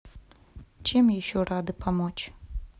чем еще рады помочь